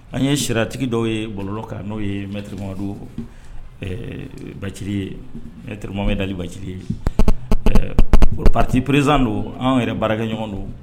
An ye siratigi dɔw ye balolɔ kan n'o ye mɛturumamadu ba ye mɛtrmamadu da ba ye patiperezan don an yɛrɛ baarakɛ ɲɔgɔn don